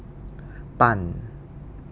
ปั่น